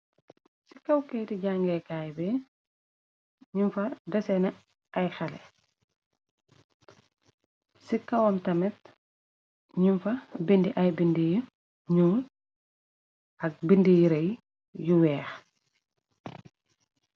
Ci kaw kayiti jangèè kai bi ñing fa desene ay xalèh ci kawam tamit ñung fa bindi ay bindi yu ñuul ak bindi rëy yu wèèx.